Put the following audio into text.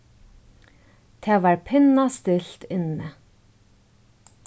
tað var pinnastilt inni